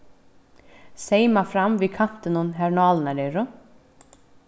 seyma fram við kantinum har nálirnar eru